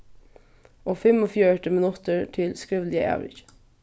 og fimmogfjøruti minuttir til skrivliga avrikið